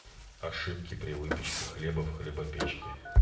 ошибки при выпечке хлеба в хлебопечке